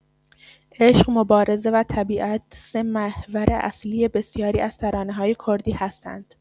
عشق، مبارزه و طبیعت سه محور اصلی بسیاری از ترانه‌های کردی هستند.